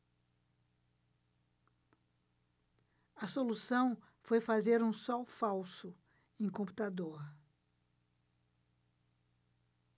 a solução foi fazer um sol falso em computador